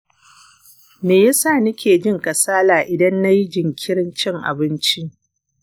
me yasa nike jin kasala idan nayi jinkirin cin abinci?